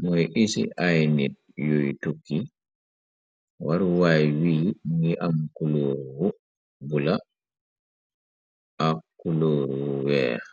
mooy isi ay nit yuy tukki, waruwaay wi ngi am kuluurwu bu la, ak kulourwu weex.